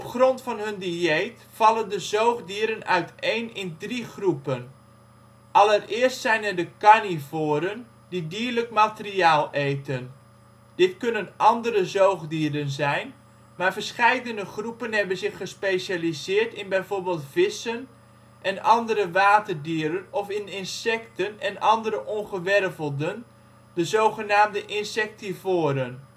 grond van hun dieet vallen de zoogdieren uiteen in drie groepen. Allereerst zijn er de carnivoren, die dierlijk materiaal eten. Dit kunnen andere zoogdieren zijn, maar verscheidene groepen hebben zich gespecialiseerd in bijvoorbeeld vissen en andere waterdieren of in insecten en andere ongewervelden (de zogenaamde insectivoren